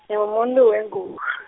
ngimumuntu wengu- .